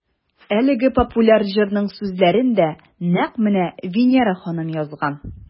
Әлеге популяр җырның сүзләрен дә нәкъ менә Винера ханым язган.